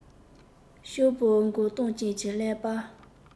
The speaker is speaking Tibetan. སྤྱང པོ མགོ སྟོང ཅན གྱི ཀླད པ